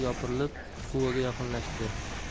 yopirilib quvaga yaqinlashdi